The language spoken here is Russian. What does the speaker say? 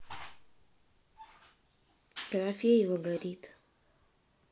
дорофеева горит